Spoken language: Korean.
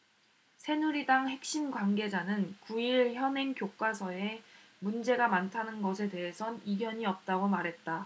새누리당 핵심 관계자는 구 일 현행 교과서에 문제가 많다는 것에 대해선 이견이 없다고 말했다